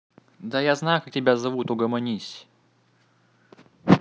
да я знаю как тебя зовут угомонись